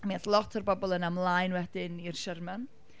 Mi aeth lot o'r bobl yna mlaen wedyn i'r Sherman.